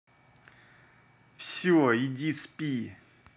все иди спи